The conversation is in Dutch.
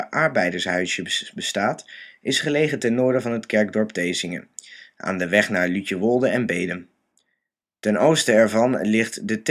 arbeidershuisjes bestaat, is gelegen ten noorden van het kerkdorp Thesinge aan de weg naar Lutjewolde en Bedum. Ten oosten ervan ligt de Thesingerlaan